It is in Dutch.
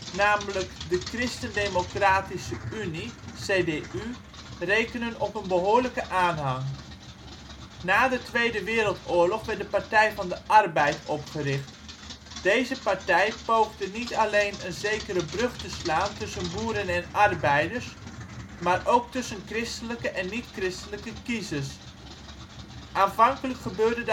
namelijk de Christen Democratische Unie (CDU) rekenen op een behoorlijke aanhang. Na de Tweede Wereldoorlog werd de Partij van de Arbeid (PvdA) opgericht. Deze partij poogde niet alleen een zekere brug te slaan tussen boeren en arbeiders, maar ook tussen christelijke en niet christelijke kiezers. Aanvankelijk gebeurde